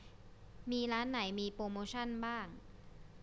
มีร้านไหนมีโปรโมชันบ้าง